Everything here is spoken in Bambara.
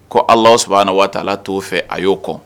Ko alaaw sɔrɔ na waa ala t'o fɛ a y'o kɔ